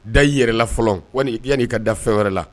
Da i yɛrɛ la fɔlɔ yan'i ka da fɛn wɛrɛ la